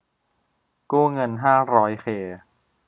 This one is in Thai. กู้เงินห้าร้อยเค